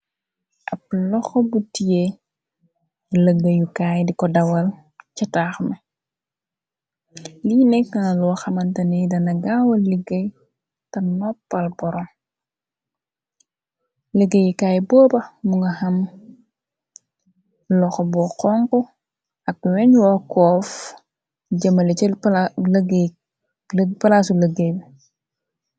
Ab loxo bu tiyee lëggéyukaay diko dawal ca taax me, lii nekk nna loo xamantane dana gaawal liggéey tarnoppal boron , liggéeyukaay booba mu nga xam loxo bu xonxo ak weno koof, jëmale ca palaasu lëggéey bi.